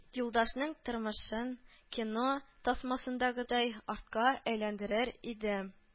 Юлдашның тормышын, кино тасмасындагыдай, артка әйләндерер идем